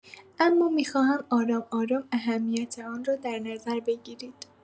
اما می‌خواهم آرام‌آرام اهمیت آن را در نظر بگیرید.